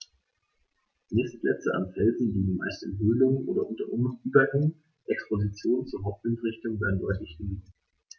Nistplätze an Felsen liegen meist in Höhlungen oder unter Überhängen, Expositionen zur Hauptwindrichtung werden deutlich gemieden.